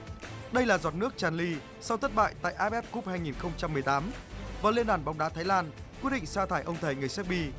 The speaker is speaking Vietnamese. đây là giọt nước tràn ly sau thất bại tại a ép ép cúp hai nghìn không trăm mười tám và liên đoàn bóng đá thái lan quyết định sa thải ông thầy người xéc bi